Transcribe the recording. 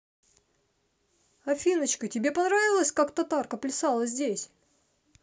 афиночка тебе понравилось как tatarka плясала здесь